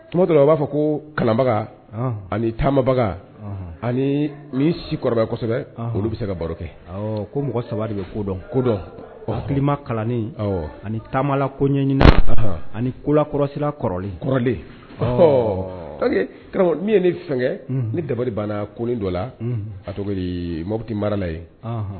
Tuma a b'a fɔ ko kalanbaga ani tamabaga ani min si kɔrɔsɛbɛ olu bɛ se ka baro kɛ ko mɔgɔ saba de bɛ kodɔn kodɔn ɔ hakilima kalan ani tamala ko ɲɛɲini ani kolakɔrɔsi kɔrɔlen kɔrɔlen karamɔgɔ min ye ne fɛnkɛ ne dabali banna kolen dɔ la to mobiliti baarala ye